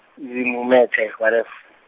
zimumethe .